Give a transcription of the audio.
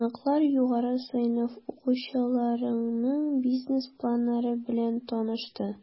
Кунаклар югары сыйныф укучыларының бизнес планнары белән танышты.